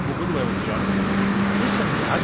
Mwgwd weldion. Dyna ti syniad...